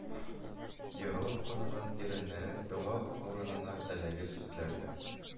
Ярылып канаган иреннәре дога урынына әлеге сүзләрне